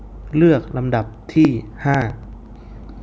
เลือกลำดับที่ห้า